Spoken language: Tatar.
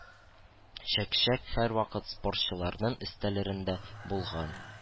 Чәк-чәк һәрвакыт спортчыларның өстәлләрендә булган.